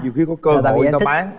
nhiều khi có cơ hội người ta bán